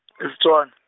e Setswana.